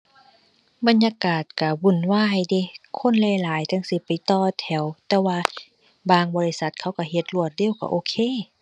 บรรยากาศก็วุ่นวายเดะ คนหลายหลายจั่งซี้ไปต่อแถว แต่ว่าบางบริษัทเขาก็เฮ็ดรวดเร็วก็โอเค